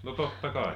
no totta kai